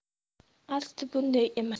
asti bunday emas